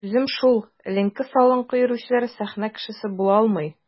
Сүзем шул: эленке-салынкы йөрүчеләр сәхнә кешесе була алмый.